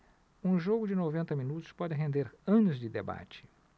um jogo de noventa minutos pode render anos de debate